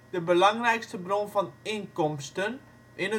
de belangrijkste bron van inkomsten in